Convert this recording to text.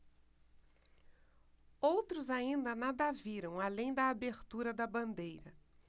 outros ainda nada viram além da abertura da bandeira